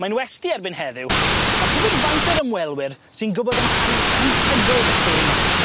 Mae'n westy erbyn heddiw ond tybed faint o'r ymwelwyr sy'n gwbod am hanes anhygoel y lle 'ma?